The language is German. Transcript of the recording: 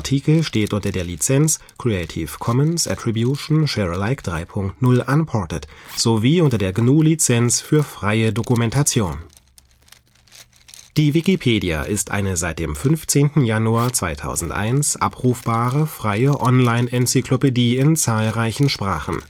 steht unter der Lizenz Creative Commons Attribution Share Alike 3 Punkt 0 Unported und unter der GNU Lizenz für freie Dokumentation. Wikipedia de.wikipedia.org (deutschsprachige Version) www.wikipedia.org (Übersicht aller Sprachen) Motto Die freie Enzyklopädie Beschreibung Wiki einer freien kollektiv erstellten Online-Enzyklopädie Registrierung optional Sprachen rund 260 Eigentümer Wikimedia Foundation Urheber einzelne angemeldete und nicht angemeldete Autoren Erschienen Januar 2001 Die Wikipedia [ˌvɪkiˈpeːdia] ist eine seit dem 15. Januar 2001 abrufbare freie Online-Enzyklopädie in zahlreichen Sprachen